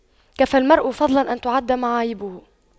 كفى المرء فضلا أن تُعَدَّ معايبه